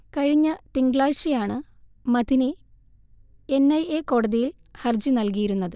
കഴിഞ്ഞ തിങ്കളാഴ്ചയാണ് Madani N I A കോടതിയിൽ ഹർജി നൽകിയിരുന്നത്